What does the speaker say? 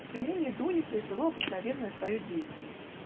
Появление Дуни произвело обыкновенное свое действие.